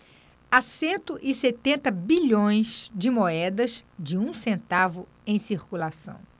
há cento e setenta bilhões de moedas de um centavo em circulação